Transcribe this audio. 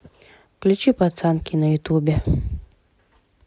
включи пацанки на ютубе